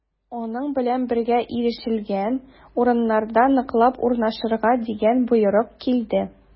Аның белән бергә ирешелгән урыннарда ныклап урнашырга дигән боерык килде.